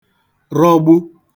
rọgbu